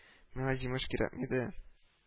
– миңа җимеш кирәкми дә